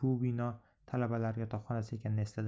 u bu bino talabalar yotoqxonasi ekanini esladi